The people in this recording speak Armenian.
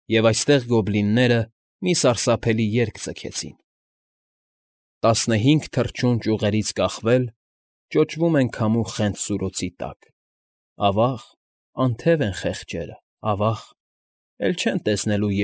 Եվ այստեղ գոբլինները մի սարսափելի երգ ձգեցին. Տասնհինգ թռչուն ճյուղերից կախվել, Ճոճվում են քամու խենթ սուլոցի տակ, Ավա՜ղ, անթև են խեղճերը, ավա՜ղ, Էլ չեն տեսնելու։